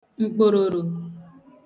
m̀kpòròrò